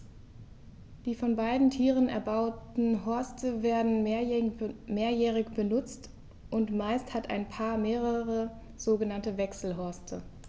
Die von beiden Tieren erbauten Horste werden mehrjährig benutzt, und meist hat ein Paar mehrere sogenannte Wechselhorste.